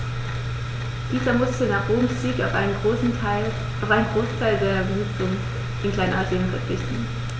Dieser musste nach Roms Sieg auf einen Großteil seiner Besitzungen in Kleinasien verzichten.